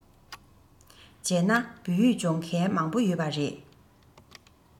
བྱས ན བོད ཡིག སྦྱོང མཁན མང པོ ཡོད པ རེད